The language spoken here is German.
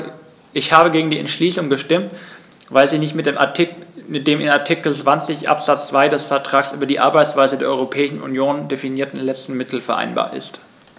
Ich habe gegen die Entschließung gestimmt, weil sie nicht mit dem in Artikel 20 Absatz 2 des Vertrags über die Arbeitsweise der Europäischen Union definierten letzten Mittel vereinbar ist.